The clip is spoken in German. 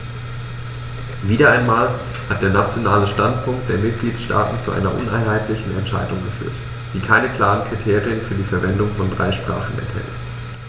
Wieder einmal hat der nationale Standpunkt der Mitgliedsstaaten zu einer uneinheitlichen Entscheidung geführt, die keine klaren Kriterien für die Verwendung von drei Sprachen enthält.